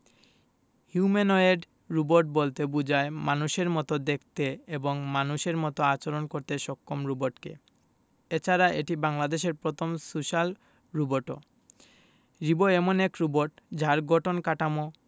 humanoid robot বলতে বোঝায় মানুষের মতো দেখতে এবং মানুষের মতো আচরণ করতে সক্ষম রোবটকে এছাড়া এটি বাংলাদেশের প্রথম সোশ্যাল রোবটও রিবো এমন এক রোবট যার গঠন কাঠামো